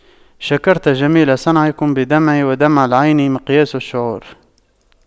شكرت جميل صنعكم بدمعي ودمع العين مقياس الشعور